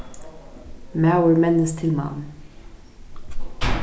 maður mennist til mann